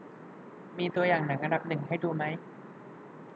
มีตัวอย่างหนังอันดับหนึ่งให้ดูไหม